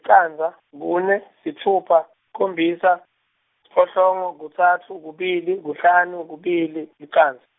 licandza, kune, sitfupha, khombisa, siphohlongo kutsatfu kubili kuhlanu kubili licandza.